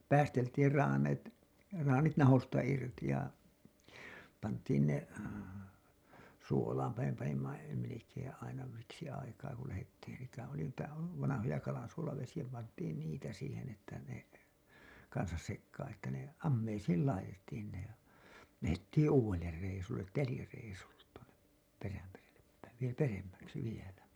päästettiin - traanit nahoista irti ja pantiin ne suolaanpa me panimme melkein aina siksi aikaa kun lähdettiin sitä oli niitä vanhoja kalansuolavesiä pantiin niitä siihen että ne kanssa sekaan että ne ammeisiin laitettiin ne lähdettiin uudelle reissulle telireissulle tuonne Perämerelle päin - peremmäksi vielä